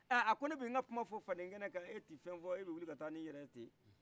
ɛ a ko ne b'in ka kuma fɔ faden kɛnɛkan e ti fɛn fɔ e bi wili ka taa ni yɛrɛ ye ten